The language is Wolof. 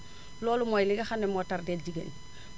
loolu mooy li nga xam ne moo tardé jigéen ñi